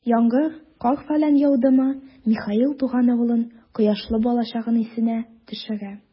Яңгыр, кар-фәлән яудымы, Михаил туган авылын, кояшлы балачагын исенә төшерә.